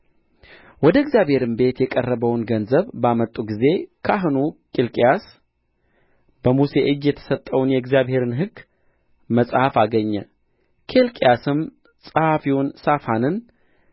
ወደ እግዚአብሔርም ቤት የቀረበውን ገንዘብ ባመጡ ጊዜ ካህኑ ኬልቅያስም በሙሴ እጅ የተሰጠውን የእግዚአብሔርን ሕግ መጽሐፍ አገኘ ኬልቅያስም ጸሐፊውን ሳፋንን